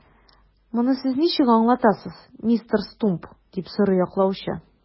Моны сез ничек аңлатасыз, мистер Стумп? - дип сорый яклаучы.